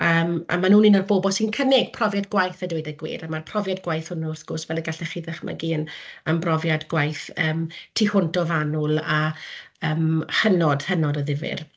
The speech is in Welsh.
yym a maen nhw'n un o'r bobl sy'n cynnig profiad gwaith a dweud y gwir, a mae'r profiad gwaith hwnnw wrth gwrs fel y gallech chi ddychmygu yn yn brofiad gwaith yym tu hwnt o fanwl a yym hynod, hynod o ddifyr.